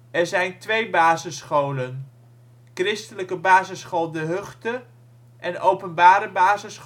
zijn twee basisscholen: Christelijke basisschool De Höchte en openbare basisschool ' t Zonnedal